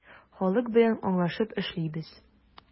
Халык белән аңлашып эшлибез.